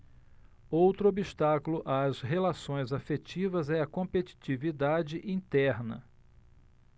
outro obstáculo às relações afetivas é a competitividade interna